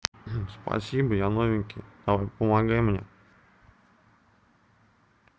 спасибо я новенький давай помогай мне